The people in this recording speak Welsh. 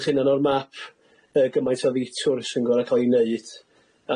eich hunan o'r map yy gymaint o ddetour sy'n gor'o' ca'l i 'neud